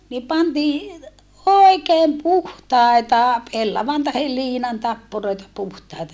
niin pantiin oikein puhtaita pellavan tai liinan tappuroita puhtaita